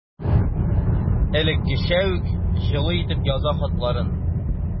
Элеккечә үк җылы итеп яза хатларын.